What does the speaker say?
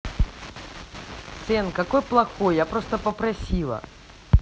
sean какой плохой я просто попросила